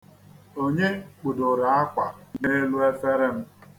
Onye kpudoro akwa n'elu efere m.